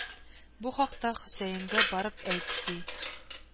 Бу хакта хөсәенгә барып әйт, ди